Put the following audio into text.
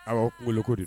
Aw bolokokodi